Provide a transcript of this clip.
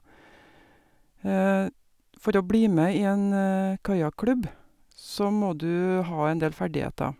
For å bli med i en kajakklubb så må du ha en del ferdigheter.